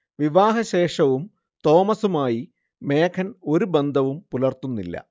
വിവാഹശേഷവും തോമസുമായി മേഘൻ ഒരു ബന്ധവും പുലർത്തുന്നില്ല